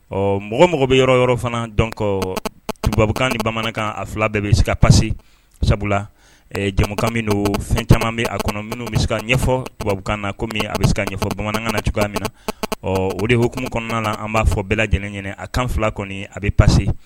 Ɔ mɔgɔ mɔgɔ bɛ yɔrɔ yɔrɔ fana dɔn kɔ tubakan ni bamanankan a fila bɛɛ bɛ se ka pa sabula jamukan min don fɛn caman bɛ a kɔnɔ minnu bɛ se ka ɲɛfɔbukan na kɔmi a bɛ se ka ɲɛfɔ bamanankan na cogoya min na ɔ o de kokumu kɔnɔna na an b'a fɔ bɛɛ lajɛlen ɲɛna a kan fila kɔni a bɛ pa